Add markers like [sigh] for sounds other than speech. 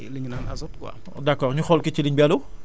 [noise] dañu manqué [hesitation] li ñu naan azote quoi